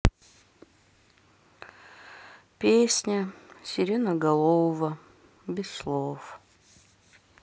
песня сиреноголового без слов